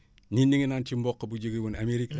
ñii ñu ngi naan ci mboq bu juge woon Amérique la